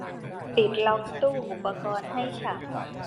ปิดล็อคตู้อุปกรณ์ให้ฉัน